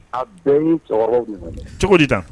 A bɛɛ ni cɛkɔrɔbaw de